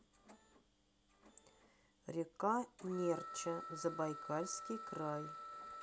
река нерча забайкальский край